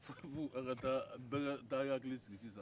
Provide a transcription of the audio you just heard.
fo bɛɛ ka t'a hakili sigi sisan